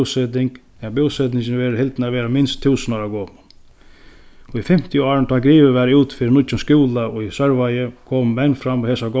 búseting at búsetingin verður hildin at vera minst túsund ára gomul í fimmtiárunum tá grivið varð út fyri nýggjum skúla í sørvági komu menn fram á hesa